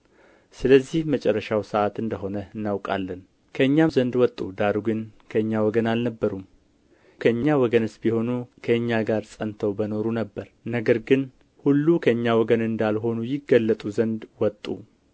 ስለዚህም መጨረሻው ሰዓት እንደ ሆነ እናውቃለን ከእኛ ዘንድ ወጡ ዳሩ ግን ከእኛ ወገን አልነበሩም ከእኛ ወገንስ ቢሆኑ ከእኛ ጋር ጸንተው በኖሩ ነበር ነገር ግን ሁሉ ከእኛ ወገን እንዳልሆኑ ይገለጡ ዘንድ ወጡ